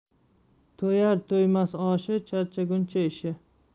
to'yar to'ymas oshi charchaguncha ishi